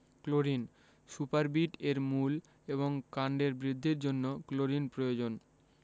chlorine superbeet এর মূল এবং কাণ্ডের বৃদ্ধির জন্য ক্লোরিন প্রয়োজন